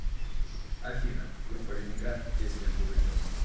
афина группа ленинград песня мужичок